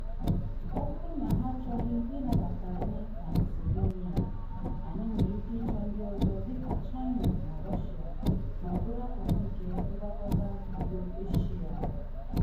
Ọ bụrụ na ha achọghị ịnabata anyị ka Macedonia, anyị nwere ike ịchọ ndị ọzọ dị ka China na Russia ma bụrụ akụkụ nke ngwakọta Euro-Asia.”